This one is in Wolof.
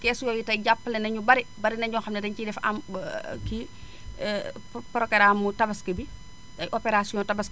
kees yooyu tey jàppale na ñu bari bari na ñoo xam ne dañu ciy def am ba kii programme mu tabaski bi ay opération tabaski